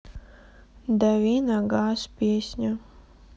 дави на газ песня